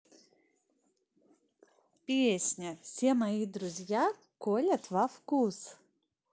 песня все мои друзья колят во вкус